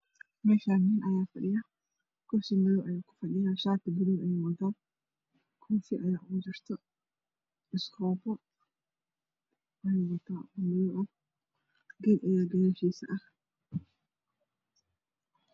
Meeshaani nin ayaa fadhiyo kursi madow ku fadhiyaa shaati madow koofi aya ku jirto iskoobo ayuu me wataa madow ged Aya gadaashiisa ah